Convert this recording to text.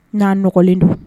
N'a n nɔgɔlen don